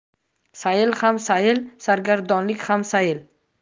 sayil ham sayil sargardonlik ham sayil